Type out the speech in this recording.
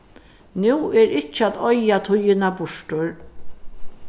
nú er ikki at oyða tíðina burtur